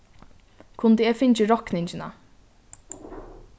kundi eg fingið rokningina